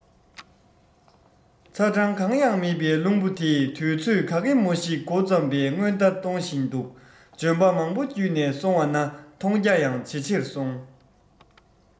ཚ གྲང གང ཡང མེད པའི རླུང བུ དེས དུས ཚོད ག གེ མོ ཞིག མགོ རྩོམ བའི སྔོན བརྡ གཏོང བཞིན འདུག ལྗོན པ མང པོ བརྒྱུད ནས སོང བ ན མཐོང རྒྱ ཡང ཇེ ཆེར སོང